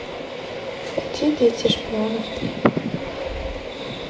найти дети шпионов три